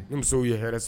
Ni musow ye hɛrɛ san